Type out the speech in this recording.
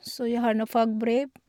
Så jeg har nå fagbrev.